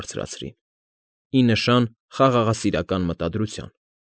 Բարձրացրին՝ ի նշան խաղաղասիրական մտադրության։